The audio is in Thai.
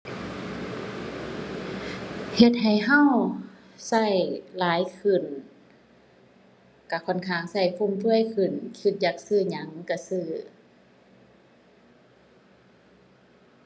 เฮ็ดให้เราเราหลายขึ้น เราค่อนข้างเราฟุ่มเฟือยขึ้น เราอยากซื้อหยังเราซื้อ